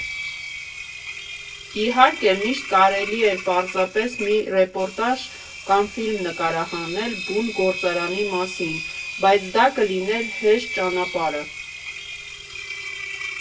Իհարկե, միշտ կարելի էր պարզապես մի ռեպորտաժ կամ ֆիլմ նկարահանել բուն գործարանի մասին, բայց դա կլիներ հեշտ ճանապարհը։